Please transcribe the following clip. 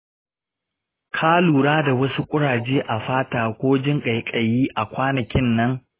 ka lura da wasu kuraje a fata ko jin ƙaiƙayi a kwanakin nan?